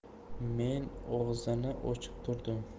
men og'zini ochib turdim